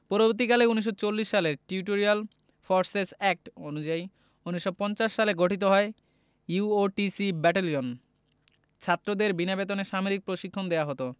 পরবর্তীকালে ১৯৪০ সালের territorial forces act অনুযায়ী ১৯৫০ সালে গঠিত হয় ইউওটিসি ব্যাটালিয়ন ছাত্রদের বিনা বেতনে সামরিক প্রশিক্ষণ দেওয়া হতো